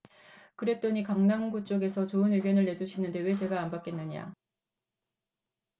그랬더니 강남구 쪽에서 좋은 의견을 내주시는데 왜 제가 안 받겠느냐